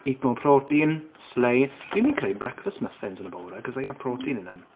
Eat more protein. Slay. Fi'n mynd i creu breakfast muffins yn y bore 'cause they have protein in them.